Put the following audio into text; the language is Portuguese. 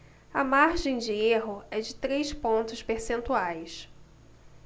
a margem de erro é de três pontos percentuais